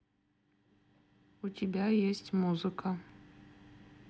у тебя есть музыка